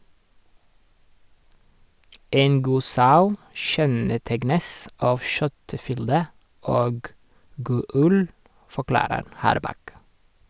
- En god sau kjennetegnes av kjøttfylde og god ull, forklarer Harbakk.